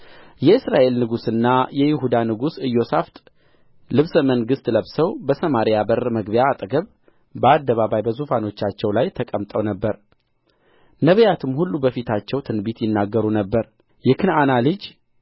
የእስራኤል ንጉሥና የይሁዳ ንጉሥ ኢዮሳፍጥ ልብሰ መንግሥት ለብሰው በሰማሪያ በር መግቢያ አጠገብ በአደባባይ በዙፋኖቻቸው ላይ ተቀምጠው ነበር ነቢያትም ሁሉ በፊታቸው ትንቢት ይናገሩ ነበር የክንዓና ልጅ